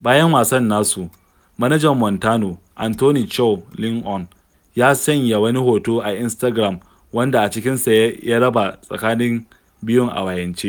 Bayan wasan nasu, manajan Montano, Anthony Chow Lin On, ya sanya wani hoto a Instagiram wanda a cikinsa ya raba tsakanin biyun a wayance: